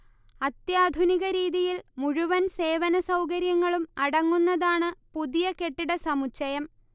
അത്യാധുനിക രീതിയിൽ മുഴുവൻ സേവന സൗകര്യങ്ങളും അടങ്ങുന്നതാണ് പുതിയ കെട്ടിടസമുച്ചയം